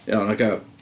Iawn, ocê.